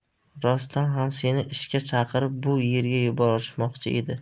rostdan ham seni ishga chaqirib bu yerga yuborishmoqchi edi